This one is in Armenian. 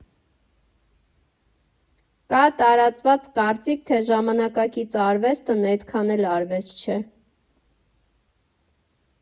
Կա տարածված կարծիք, թե ժամանակակից արվեստն էդքան էլ արվեստ չէ։